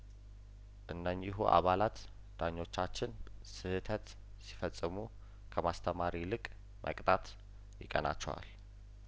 እነኚሁ አባላት ዳኞ ቻችን ስህተት ሲፈጽሙ ከማስተማር ይልቅ መቅጣት ይቀናቸዋል